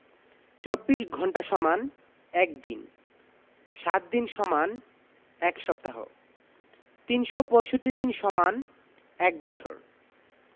২৪ ঘন্টা = ১ দিন ৭ দিন = ১ সপ্তাহ ৩৬৫ দিন = ১বছর